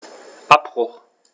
Abbruch.